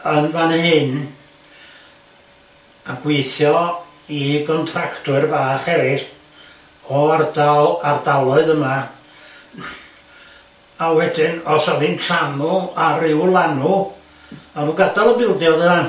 yn fan hyn a gwithio i gontracwyr bach erill o ardal- ardaloedd yma a wedyn os o'dd hi'n llanw a ryw lanw o'dda n'w'n gadael y building doddan?